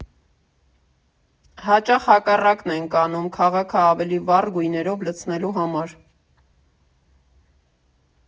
Հաճախ հակառակն ենք անում՝ քաղաքը ավելի վառ գույներով լցնելու համար։